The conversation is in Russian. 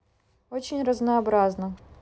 очень разнообразно